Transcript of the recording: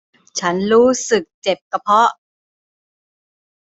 ฉันรู้สึกเจ็บกระเพาะ